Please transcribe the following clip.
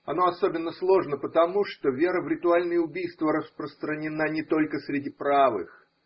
Оно особенно сложно потому, что вера в ритуальные убийства распространена не только среди правых.